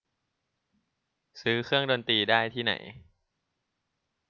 ซื้อเครื่องดนตรีได้ที่ไหน